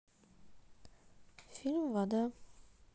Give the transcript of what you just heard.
фильм вода